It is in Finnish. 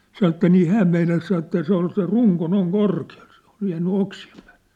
sanoi että niin hän meinasi sanoa että se oli se runko noin korkealla se oli jäänyt oksien päälle